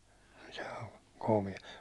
joo -